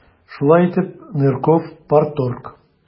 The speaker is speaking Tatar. Шулай итеп, Нырков - парторг.